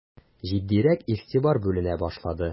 Җитдирәк игътибар бүленә башлады.